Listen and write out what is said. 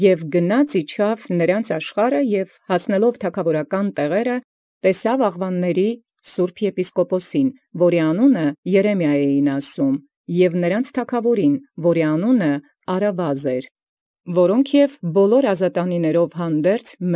Եւ երթեալ իջանէր յաշխարհն և հասեալ ի թագաւորական տեղիսն, տեսանէր զսուրբ եպիսկոպոսն Աղուանից, որում անուն Երեմիա կոչէին, և զնոցին թագաւոր, որում Արսվաղ էր անուն, ամենայն ազատաւք հանդերձ.